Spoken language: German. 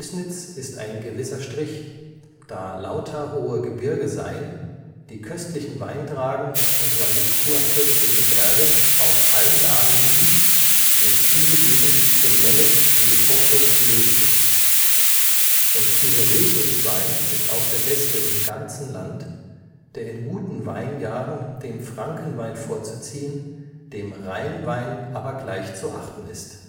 Lößnitz ist ein gewisser Strich, da lauter hohe Gebirge seyn, die köstlichen Wein tragen, und weil die Churfürstlichen Berge auch allda liegen, wird diese Gegend genennet die Hoffe-Lößnitz. Und dieser Lößnitzwein ist auch der beste im gantzen Land, der in guten Wein-Jahren dem Franken-Wein vorzuziehen, dem Rhein-Wein aber gleich zu achten ist